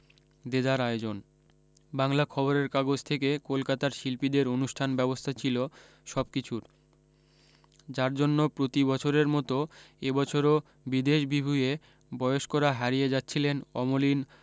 দেদার আয়োজন বাংলা খবরের কাগজ থেকে কলকাতার শিল্পীদের অনুষ্ঠান ব্যবস্থা ছিল সব কিছুর যার জন্য প্রতি বছরের মতো এবছরও বিদেশ বিভুঁয়ে বয়সকরা হারিয়ে যাচ্ছিলেন অমলিন